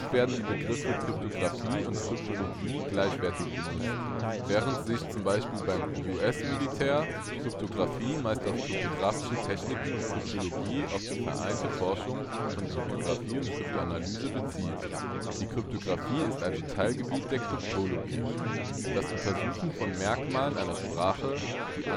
werden die Begriffe Kryptographie und Kryptologie gleichwertig benutzt, während sich z. B. beim US-Militär Kryptographie meist auf kryptographische Techniken und Kryptologie auf die vereinte Forschung von Kryptographie und Kryptoanalyse bezieht. Die Kryptographie ist also Teilgebiet der Kryptologie. Das Untersuchen von Merkmalen einer Sprache, die